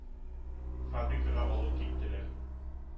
Фабрикага алып киттеләр.